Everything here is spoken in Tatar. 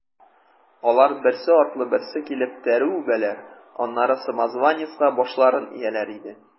Алар, берсе артлы берсе килеп, тәре үбәләр, аннары самозванецка башларын ияләр иде.